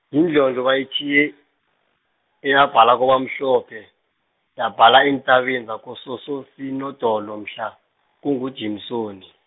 yindlondlo bayitjhiye, eyabhala kwabamhlophe, yabhala eentabeni zakoSoso- -Sinodolo mhla, kunguJimsoni.